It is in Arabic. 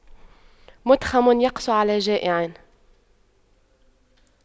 مُتْخَمٌ يقسو على جائع